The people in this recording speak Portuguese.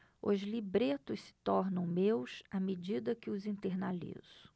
os libretos se tornam meus à medida que os internalizo